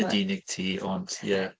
Nid unig ti, ond ie.